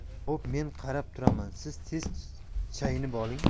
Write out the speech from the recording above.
xo'p men qarab turaman siz tez chayinib oling